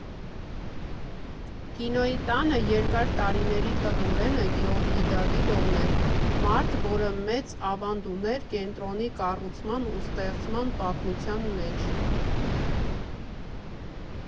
Կինոյի տանը երկար տարիների տնօրենը Գեորգի Դավիդովն էր, մարդ, որը մեծ ավանդ ուներ կենտրոնի կառուցման ու ստեղծման պատմության մեջ։